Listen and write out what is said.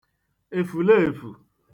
èfùleèfù